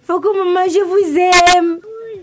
Soko majɛfu sen